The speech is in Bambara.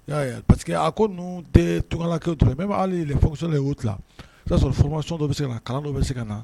Ya parce que a ko ninnu den toka ke tun bɛba'alel fosɔla ye''a sɔrɔ foroma dɔ bɛ se na kalan dɔ bɛ se ka na